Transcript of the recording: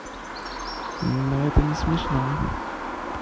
но это не смешно